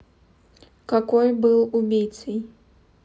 какой был убийцей